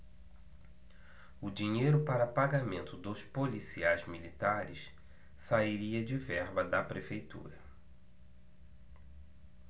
o dinheiro para pagamento dos policiais militares sairia de verba da prefeitura